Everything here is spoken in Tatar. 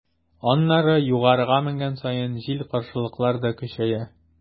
Аннары, югарыга менгән саен, җил-каршылыклар да көчәя.